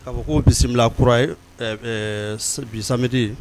Ka fɔ ko bisimilasi kura ye bisameri